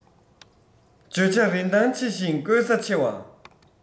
བརྗོད བྱ རིན ཐང ཆེ ཞིང བཀོལ ས ཆེ བ